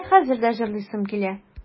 Менә хәзер дә җырлыйсым килә.